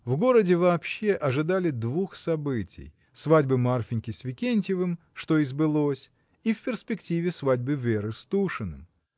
В городе вообще ожидали двух событий: свадьбы Марфиньки с Викентьевым, что и сбылось, — и в перспективе свадьбы Веры с Тушиным.